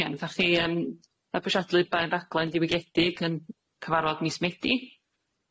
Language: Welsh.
Ie nathach chi yym mabwysiadlu bai'n rhaglen diwygiedig yn cyfarfod mis Medi,